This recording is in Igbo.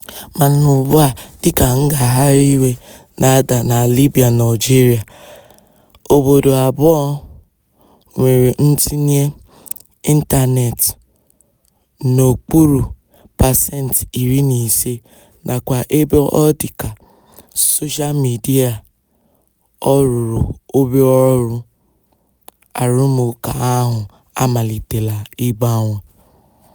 Mana ugbua, dịka ngagharị iwe na-ada na Libya na Algeria – obodo abụọ nwere ntinye ịntaneetị n'okpuru 15% nakwa ebe ọ dị ka soshal midịa ọ rụrụ obere ọrụ - arụmụka ahụ amalitela ịgbanwe.